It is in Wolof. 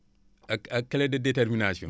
ak ak clé de détermination